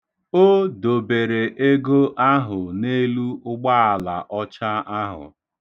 O dobere ego ahụ n'elu ụgbaala ọcha ahụ.